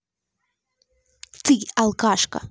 ты алкашка